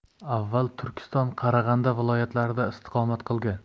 avval turkiston qarag'anda viloyatlarida istiqomat qilgan